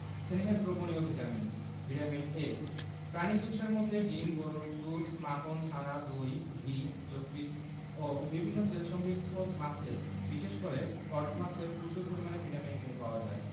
স্নেহে দ্রবণীয় vitamin vitamin A প্রাণিজ উৎসের মধ্যে ডিম গরুর দুধ মাখন ছানা দই ঘি যকৃৎ ও বিভিন্ন তেলসমৃদ্ধ মাছে বিশেষ করে কড মাছে প্রচুর পরিমান ভিটামিন এ পাওয়া যায়